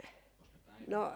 olikos ne päivällä